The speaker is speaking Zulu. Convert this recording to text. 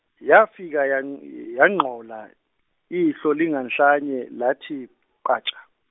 yafika yang- yangqola ihlo langanhlanye lathi, patsha.